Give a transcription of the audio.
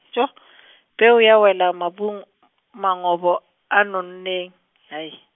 tjo- , peo ya wela mobung , mongobo a nonneng hai-.